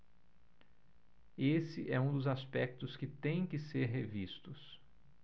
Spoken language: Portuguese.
esse é um dos aspectos que têm que ser revistos